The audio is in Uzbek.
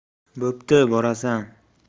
bo'pti borasan